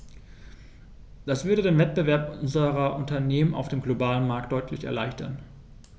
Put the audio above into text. Das würde den Wettbewerb unserer Unternehmen auf dem globalen Markt deutlich erleichtern.